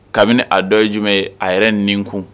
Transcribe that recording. Kabini a dɔ ye jumɛn ye a yɛrɛ nin kun